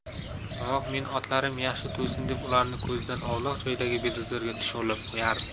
biroq men otlarim yaxshi to'ysin deb ularni ko'zdan ovloq joydagi bedazorga tushovlab qo'yardim